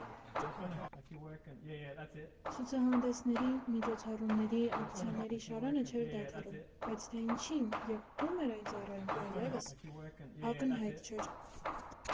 Ցուցահանդեսների, միջոցառումների, ակցիաների շարանը չէր դադարում, բայց թե ինչի՞ն և ու՞մ էր այն ծառայում, այլևս ակնհայտ չէր։